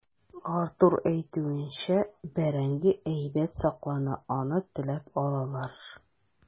Артур әйтүенчә, бәрәңге әйбәт саклана, аны теләп алалар.